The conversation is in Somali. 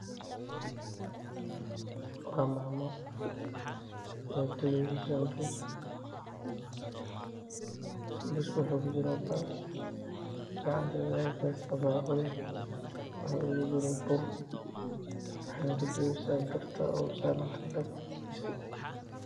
Waa maamo karinayo sanbuus bur